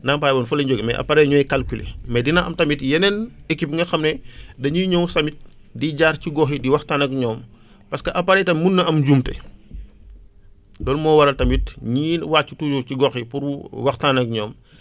ndàmpaay fa lay jógee mais après ñooy calculer mais dina am tamit yeneen équipe yi nga xam ne dañuy ñëw tamit di jaar ci gox yi di waxtaan ak ñoom parce que appareil tam mun na am njuumte loolu moo waral tamit ñii wàcc ñëw ci gox yi pour waxtaan ak ñoom